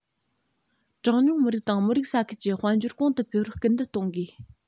གྲངས ཉུང མི རིགས དང མི རིགས ས ཁུལ གྱི དཔལ འབྱོར གོང དུ འཕེལ བར སྐུལ འདེད གཏོང དགོས